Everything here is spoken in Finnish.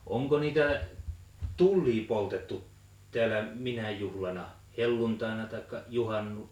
onko niitä tulia poltettu täällä minään juhlana helluntaina tai -